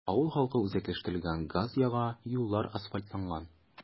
Авыл халкы үзәкләштерелгән газ яга, юллар асфальтланган.